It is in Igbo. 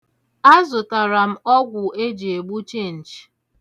Azụtara m ọgwụ eji egbu chinchin.